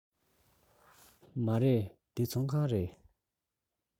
མ རེད འདི ཚོང ཁང རེད